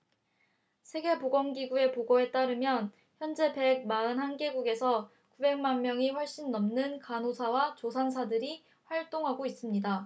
세계 보건 기구의 보고에 따르면 현재 백 마흔 한 개국에서 구백 만 명이 훨씬 넘는 간호사와 조산사들이 활동하고 있습니다